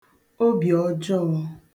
obì ọjọọ̄